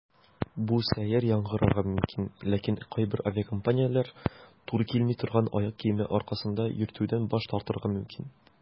Бу сәер яңгырарга мөмкин, ләкин кайбер авиакомпанияләр туры килми торган аяк киеме аркасында йөртүдән баш тартырга мөмкин.